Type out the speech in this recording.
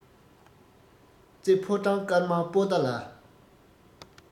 རྩེ ཕོ བྲང དཀར དམར པོ ཏ ལ